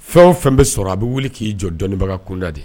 Fɛn o fɛn bɛ sɔrɔ a bɛ wuli k'i jɔ dɔnniɔnibaga kunda de